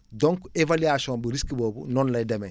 donc évaluation bu risque boobu noonu lay demee